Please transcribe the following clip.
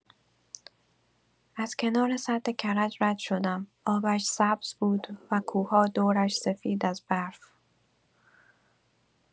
از کنار سد کرج رد شدم، آبش سبز بود و کوه‌ها دورش سفید از برف.